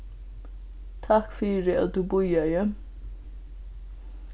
takk fyri at tú bíðaði